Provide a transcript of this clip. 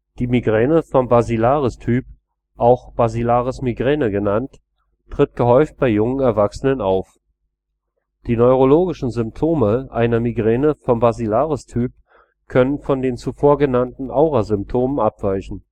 Die Migräne vom Basilaristyp, auch Basilarismigräne genannt, tritt gehäuft bei jungen Erwachsenen auf. Die neurologischen Symptome einer Migräne vom Basilaristyp können von den zuvor genannten Aurasymptomen abweichen